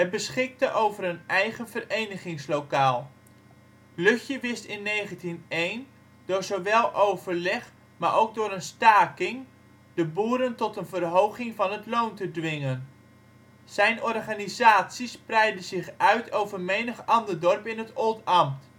beschikte over een eigen verenigingslokaal. Luttje wist in 1901 door zowel overleg maar ook door een staking de boeren tot een verhoging van het loon te dwingen. Zijn organisatie spreidde zich uit over menig ander dorp in het Oldambt